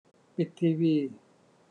ปิดทีวี